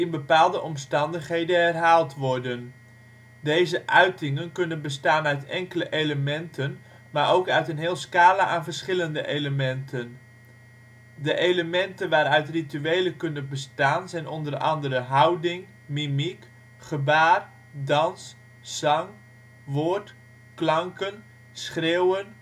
bepaalde omstandigheden herhaald worden. Deze uitingen kunnen bestaan uit enkele elementen maar ook uit een heel scala aan verschillende elementen. De elementen waaruit rituelen kunnen bestaan zijn o.a. houding, mimiek, gebaar, dans, zang, woord, klanke 'n, schreeuwen